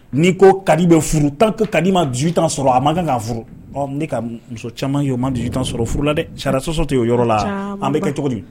N'i ko kadi bɛ furu tan ko ka dii ma dusu tan sɔrɔ a ma kan furu ne ka muso caman ye oo ma dusu tan sɔrɔ furu la dɛ ca sɔsɔ tɛ y o yɔrɔ la an bɛ kɛ cogo min